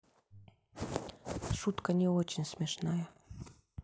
шутка не очень смешная